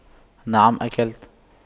نعم أكلت